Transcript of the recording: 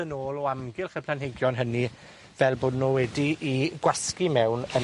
yn ôl o amgylch y planhigion hynny, fel bod nw wedi 'u gwasgu mewn yn